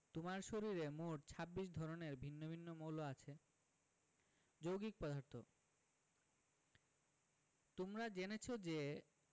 তোমার শরীরে মোট ২৬ ধরনের ভিন্ন ভিন্ন মৌল আছে যৌগিক পদার্থ তোমরা জেনেছ যে